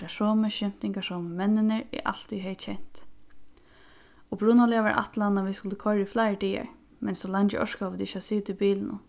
teir somu skemtingarsomu menninir eg altíð hevði kent upprunaliga var ætlanin at vit skuldu koyra í fleiri dagar men so leingi orkaðu vit ikki at sita í bilinum